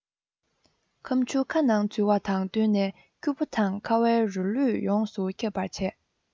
ཁམ ཆུ ཁ ནང འཛུལ བ དང བསྟུན ནས སྐྱུར པོ དང ཁ བའི རོ ལུས ཡོངས སུ ཁྱབ པར བྱེད